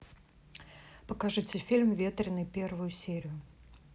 покажите фильм ветреный первую серию